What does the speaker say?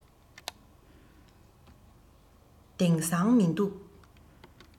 དེང སང མི འདུག